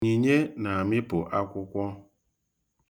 Onyinye na-amịpụ akwụkwọ.